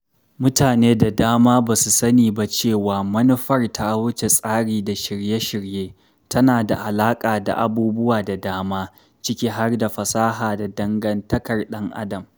Mutane da dama ba su sani ba cewa manufar ta wuce tsari da shirye-shiriye — tana da alaƙa da abubuwa da dama, ciki har da fasaha da dangantakar ɗan Adam.